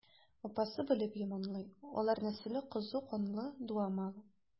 Апасы белеп яманлый: алар нәселе кызу канлы, дуамал.